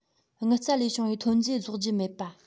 དངུལ རྩ ལས བྱུང བའི ཐོན རྫས རྫོགས རྒྱུ མེད པ